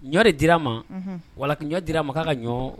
Ɲɔ de di a ma wala ɲɔ dir a ma ka ka ɲɔ